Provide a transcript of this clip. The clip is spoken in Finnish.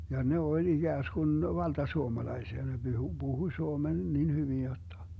ja ne oli ikään kuin valtasuomalaisia ne puhui puhui suomen niin hyvin jotta